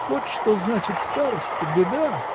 Вот что значит старость-то, беда!